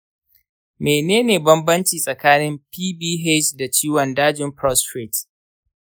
menene bambanci tsakanin bph da ciwon dajin prostate?